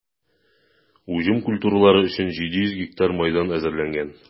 Уҗым культуралары өчен 700 га мәйдан әзерләнгән.